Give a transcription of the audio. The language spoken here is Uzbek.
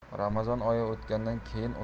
ramazon oyi o'tgandan keyin